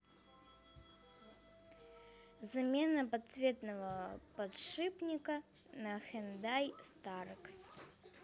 замена подвесного подшипника на хендай старекс